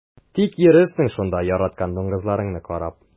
Тик йөрерсең шунда яраткан дуңгызларыңны карап.